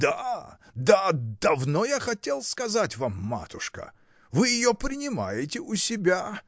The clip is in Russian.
Да, да, давно я хотел сказать вам, матушка. вы ее принимаете у себя.